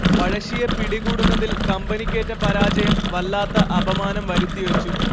പഴശ്ശിയെ പിടികൂടുന്നതിൽ കമ്പനിക്കേറ്റ പരാജയം വല്ലാത്ത അപമാനം വരുത്തിവെച്ചു